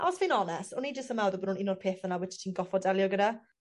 Aos fi'n onest o'n i jyst y me'wl bo- bod o'n un o'r peth felna which ti'n goffod delio gyda.